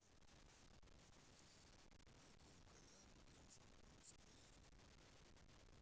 мы курим кальян пьем шампанское